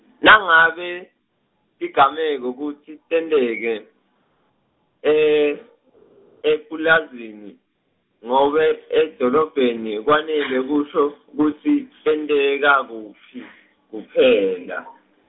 nangabe, tigameko kutsi tenteke, e- epulazini, nobe edolobheni kwanele kusho, kutsi, tenteka kuphi, kuphela.